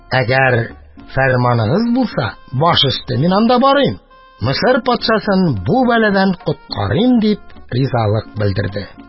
Әгәр фәрманыгыз булса, баш өсте, мин анда бармыйм, Мисыр патшасын бу бәладән коткарыйм, – дип ризалык белдерде.